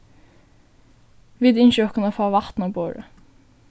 vit ynskja okkum at fáa vatn á borðið